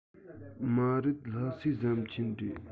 མ རེད ལྷ སའི ཟམ ཆེན རེད